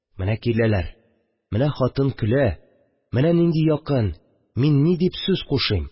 Менә киләләр, менә хатын көлә, менә нинди якын, мин ни сүз кушыйм